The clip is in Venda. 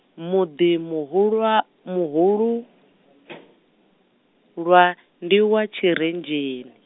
muḓi muhulwa-, muhululwa ndi wa Tshirenzheni.